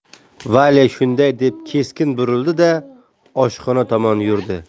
valya shunday deb keskin burildi da oshxona tomon yurdi